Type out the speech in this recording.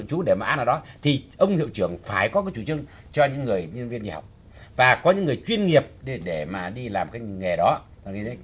trú để mã nào đó thì ông hiệu trưởng phái có chủ trương cho những người nhân viên nghỉ học và có những người chuyên nghiệp để để mà đi làm cái nghề đó